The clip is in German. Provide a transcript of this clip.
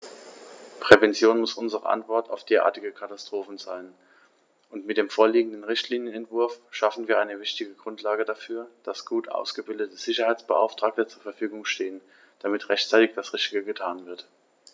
Prävention muss unsere Antwort auf derartige Katastrophen sein, und mit dem vorliegenden Richtlinienentwurf schaffen wir eine wichtige Grundlage dafür, dass gut ausgebildete Sicherheitsbeauftragte zur Verfügung stehen, damit rechtzeitig das Richtige getan wird.